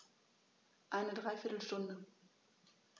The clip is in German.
Eine dreiviertel Stunde